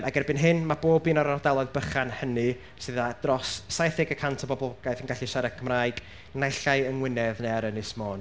Ac erbyn hyn, ma' bob un o'r ardaloedd bychan hynny, sydd â dros saith deg y cant o boblogaeth yn gallu siarad Cymraeg, naill ai yng Ngwynedd neu ar Ynys Mon.